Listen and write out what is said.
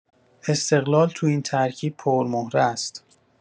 استقلال تو این ترکیب پرمهره ست